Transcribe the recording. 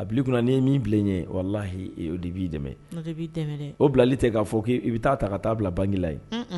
A bi kunna n'i ye min bilen ye walala o de b'i dɛmɛ o bilali tɛ k'a fɔ k i bɛ taa ta ka taa bila banla yen